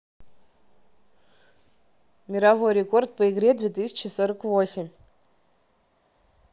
мировой рекорд по игре две тысячи сорок восемь